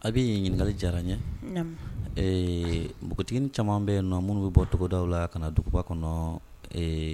Abi ɲininkakali diyara n ye. Ee npogotinin caman be yen nɔn munun bi bɔ togodaw la ka na duguba kɔnɔ. Ee